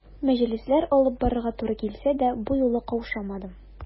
Мәҗлесләр алып барырга туры килсә дә, бу юлы каушадым.